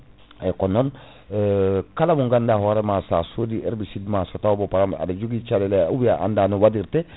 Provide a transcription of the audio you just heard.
eyyi ko non kala mo ganduɗa hoorema sa soodi herbicide ma so taw mo pa* aɗa jogui caɗele ou bien a anda no waɗirte